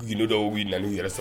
G dɔww b'i nan yɛrɛ saba